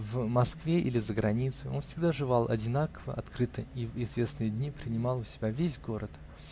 в Москве или за границей, он всегда живал одинаково открыто и в известные дни принимал у себя весь город.